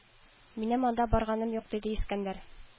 Минем анда барганым юк диде искәндәр